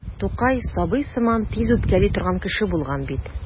Тукай сабый сыман тиз үпкәли торган кеше булган бит.